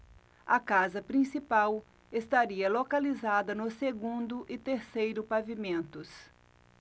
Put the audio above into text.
a casa principal estaria localizada no segundo e terceiro pavimentos